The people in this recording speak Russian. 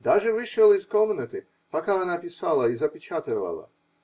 Даже вышел из комнаты, пока она писала и запечатывала.